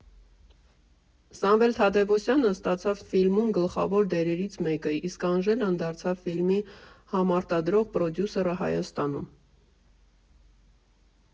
Սամվել Թադևոսյանը ստացավ ֆիլմում գլխավոր դերերից մեկը, իսկ Անժելան դարձավ ֆիլմի համարտադրող պրոդյուսերը Հայաստանում։